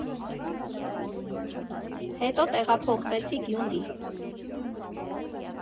Հետո տեղափոխվեցի Գյումրի։